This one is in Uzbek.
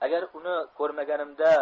agar uni ko'rmaganimda